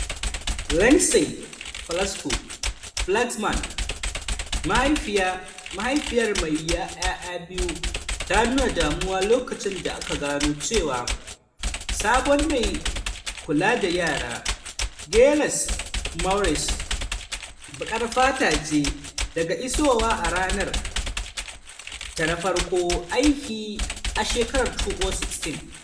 Lynsey Plasco-Flaxman, mahaifiyar mai yaya biyu, ta nuna damuwa lokacin da aka gano cewa sabon mai kulawa da yara, Giselle Maurice, baƙar fata ce daga isowa a ranar ta na farkon aiki a shekarar 2016.